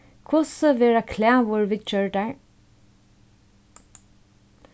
hvussu verða klagur viðgjørdar